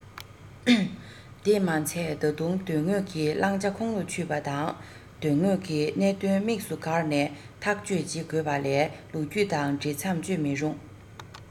དེས མ ཚད ད དུང དོན དངོས ཀྱི བླང བྱ ཁོང དུ ཆུད པ དང དོན དངོས ཀྱི གནད དོན དམིགས སུ བཀར ནས ཐག གཅོད བྱེད དགོས པ ལས ལོ རྒྱུས དང འ བྲེལ མཚམས གཅོད མི རུང